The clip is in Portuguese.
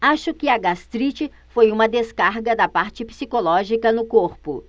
acho que a gastrite foi uma descarga da parte psicológica no corpo